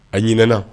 A ɲin